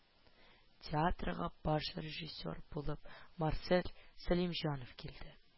Театрга баш режиссер булып марсель сәлимҗанов килде